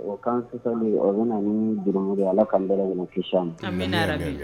Kansa o bɛna na ni d ala ka bɛ kɔnɔ an